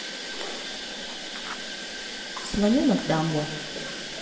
слоненок дамбо